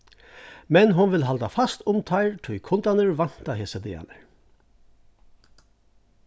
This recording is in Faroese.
men hon vil halda fast um teir tí kundarnir vænta hesar dagarnar